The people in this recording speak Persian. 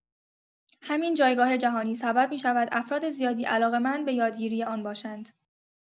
همین جایگاه جهانی سبب می‌شود افراد زیادی علاقه‌مند به یادگیری آن باشند.